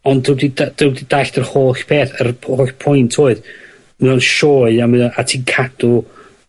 Ond dwi 'di da- dwi 'di dallt yr holl beth yr yr holl pwynt oedd mae o'n sioe a mae o a ti'n cadw